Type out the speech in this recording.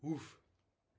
Wff.